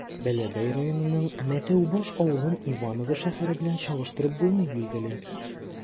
Бәләбәй районының Мәтәүбаш авылын Иваново шәһәре белән чагыштырып булмый, билгеле.